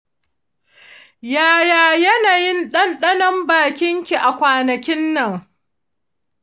yaya yanayin dandanon bakin ki a kwana kinnan?